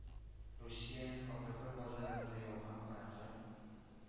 Русиянең алкоголь базарында ялган аракы